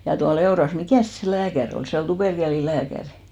ja tuolla Eurassa mikäs se lääkäri oli se oli tuperkelilääkäri